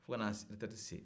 fo kana ereterɛti se